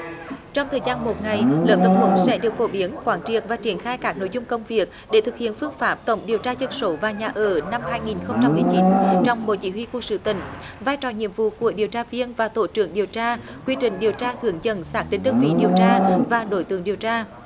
trong thời gian một ngày lớp tập huấn sẽ được phổ biến quán triệt và triển khai các nội dung công việc để thực hiện phương pháp tổng điều tra dân số và nhà ở năm hai nghìn không trăm mười chín trong bộ chỉ huy quân sự tỉnh vai trò nhiệm vụ của điều tra viên và tổ trưởng điều tra quy trình điều tra hướng dẫn sạc đến đơn vị điều tra và đối tượng điều tra